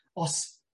os